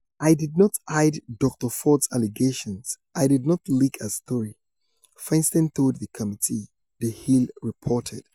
"I did not hide Dr. Ford's allegations, I did not leak her story," Feinstein told the committee, The Hill reported.